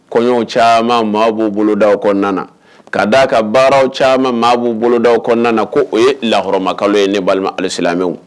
Kɔɲɔɲɔgɔnw caman maa b'u boloda aw kɔnɔna kaa d'a ka baararaww caman maa'u boloda aw na ko o ye lakkɔrɔma ye ne balima alisilamew